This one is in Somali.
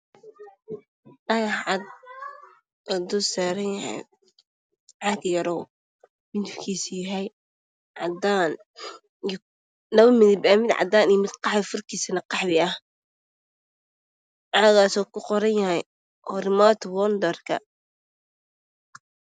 Waa dhagax cad oo uu dulsaaran yahay caag yar oo cadaan ah labo midab mid cadaan midna qaxwi furkiisana qaxwi ah waxaa kuqoran hormudwandharka.